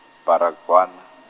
Baragwana.